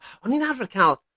o'n i'n arfer ca'l